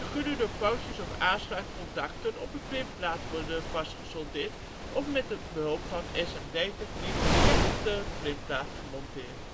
pootjes of aansluitcontacten op een printplaat worden vastgesoldeerd of met behulp van SMD-techniek direct op de printplaat gemonteerd